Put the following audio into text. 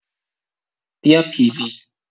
بیا پی وی